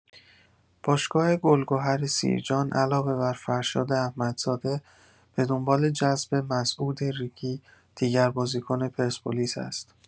باشگاه گل‌گهر سیرجان علاوه بر فرشاد احمدزاده به دنبال جذب مسعود ریگی، دیگر بازیکن پرسپولیس است.